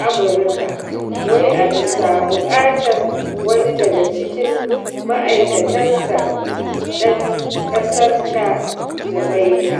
Amurka, wai a bisa buƙatar wani daga cikin ma'aikatansa ɗan ƙasar ta Jamaika.